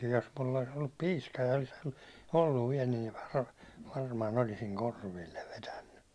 jos minulla olisi ollut piiska ja olisi ollut vielä niin - varmaan olisin korville vetänyt